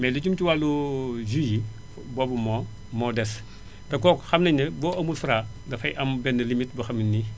mais lu jëm ci wàllu jus yi boobu moom moo des te kooku xam nañu ne boo amul Fara dafay am benn limite boo xam ne nii